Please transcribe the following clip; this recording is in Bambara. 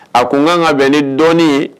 A ko n ka kan ka bɛn ne dɔɔnin ye